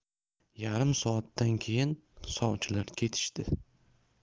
yarim soatdan keyin sovchilar ketishdi